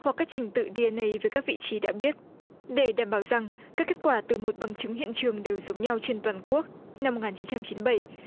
hoặc các trình tự đi en ây với các vị trí đã biết để đảm bảo rằng các kết quả từ một bằng chứng hiện trường đều giống nhau trên toàn quốc năm một ngàn chín trăm chín bảy